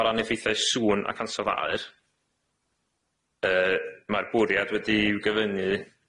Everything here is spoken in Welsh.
O'r ran effeithia sŵn ac ansawdd aur yy ma'r bwriad wedi i'w gyfyngu